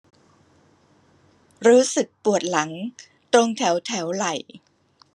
รู้สึกปวดหลังตรงแถวแถวไหล่